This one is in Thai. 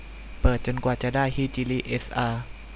เปิดจนกว่าจะได้ฮิจิริเอสอา